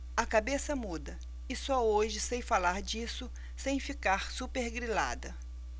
a cabeça muda e só hoje sei falar disso sem ficar supergrilada